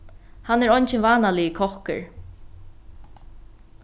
hann er eingin vánaligur kokkur